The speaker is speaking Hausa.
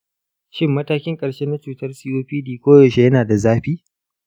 shin matakin ƙarshe na cutar copd koyaushe yana da zafi?